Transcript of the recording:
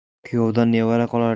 kuyovdan nevara qolar